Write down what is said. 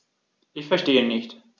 Ich verstehe nicht.